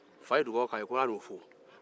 fa ye dugawu kɛ a ye k'a n'u fo